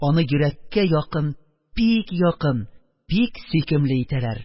Аны йөрәккә якын, бик якын, бик сөйкемле итәләр...